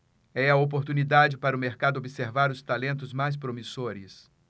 é a oportunidade para o mercado observar os talentos mais promissores